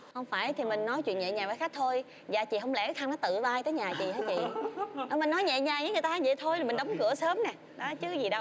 không phải thì mình nói chuyện nhẹ nhàng với khách thôi dạ chị không lẽ thăng nó tự bay đến nhà chị hả chị ơ mình nói nhẹ nhàng với người ta vậy thôi rồi mình đóng cửa sớm nè đó chứ gì đâu